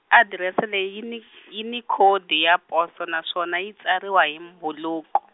adirese leyi yi ni yi ni khodi ya poso naswona yi tsariwa hi mbhuluko.